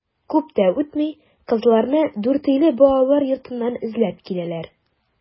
Күп тә үтми кызларны Дүртөйле балалар йортыннан эзләп киләләр.